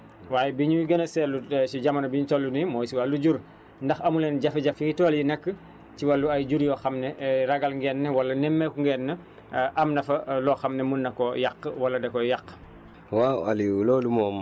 yàqu-yàqu yi nag bëri na waaye bi ñuy gën a seetlu si jamono biñ toll nii mooy si wàllu jur ndax amu leen jafe-jafe fi tool yi nekk ci wàllu ay jur yoo xam ne ragal ngeen ne wala nemmeeku ngeen ne am na fa loo xam ne mun na koo yàq wala da koy yàq